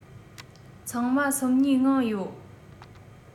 ཚང མ སོམ ཉིའི ངང ཡོད